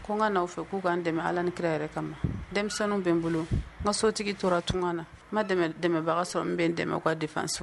Kɔn ka n'aw fɛ k'u k ka dɛmɛ ala ni kira yɛrɛ kama denmisɛnninw bɛ n bolo n ka sotigi tora tun na n ma dɛmɛbaga sɔrɔ n bɛ dɛmɛ ka de so